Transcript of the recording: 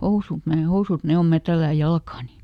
housut ne housut ne on minä tällään jalkaani